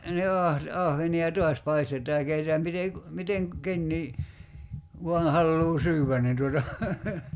niin - ahvenia taas paistetaan ja keitetään miten - miten kukakin vain haluaa syödä niin tuota